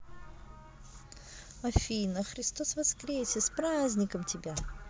афина христос воскресе с праздником тебя